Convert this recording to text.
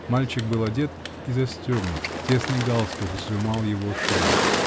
Мальчик был одет и застегнут; тесный галстук сжимал его шею.